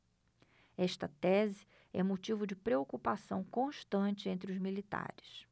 esta tese é motivo de preocupação constante entre os militares